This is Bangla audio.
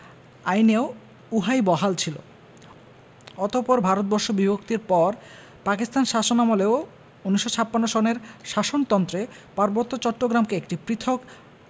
আইনেও উহাই বহাল ছিল অতপর ভারতবর্ষ বিভক্তির পরে পাকিস্তান শাসনামলেও ১৯৫৬ সনের শাসনন্ত্রে পার্বত্য চট্টগ্রামকে একটি 'পৃথক